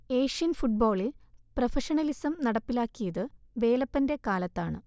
Asian ഫുട്ബോളിൽ പ്രഫഷനലിസം നടപ്പിലാക്കിയതു വേലപ്പന്റെ കാലത്താണ്